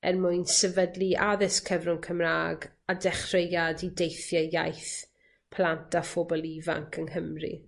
Er mwyn sefydlu addysg cyfrwng Cymra'g a dechreuad i deithiau iaith plant a phobol ifanc yng Nghymru.